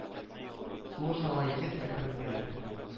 Сулыш ала егет әкрен генә